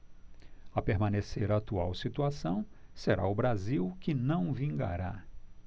a permanecer a atual situação será o brasil que não vingará